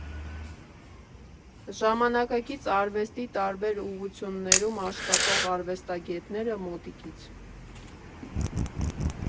Ժամանակակից արվեստի տարբեր ուղղություններում աշխատող արվեստագետները մոտիկից։